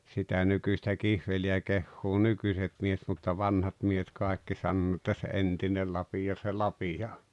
sitä nykyistä kihveliä kehuu nykyiset miehet mutta vanhat miehet kaikki sanoo että se entinen lapio se lapio on